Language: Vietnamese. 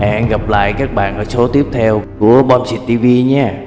hẹn gặp lại các bạn ở số tiếp theo của boom xịt tv nhé